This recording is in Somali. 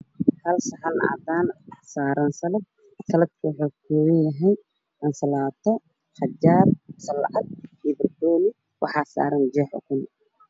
Hal saxan cadaan ah waxa saaran salad ,salad ka wuxu ka koobanyahay aansalaato ,qajaar salacad iyo barbanooni waxaa saaran jeex ukun ah